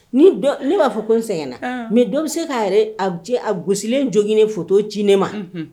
Ni dɔ minn b'a fɔ ko ne sɛgɛnna, ɔnhɔn, : maisdɔ bɛ se k'a yɛrɛ jɔgilen photo ci ne ma., unhun.